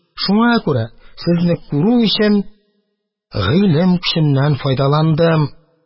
Шуңа күрә, сезне күрү өчен, гыйлем көченнән файдаландым…